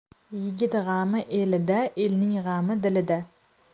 yigit g'ami elida elning g'ami dilida